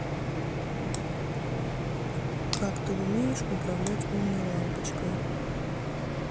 как ты умеешь управлять умной лампочкой